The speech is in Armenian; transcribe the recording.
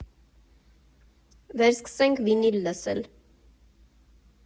Վերսկսենք վինիլ լսել։